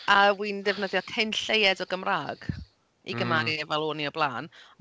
A wi'n defnyddio cyn lleied o Gymraeg i... mm. ...gymharu efo fel o'n i o'r blaen.